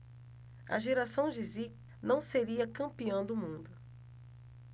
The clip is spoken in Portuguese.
a geração de zico não seria campeã do mundo